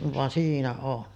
vaan siinä on